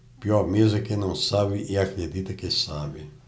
pior mesmo é quem não sabe e acredita que sabe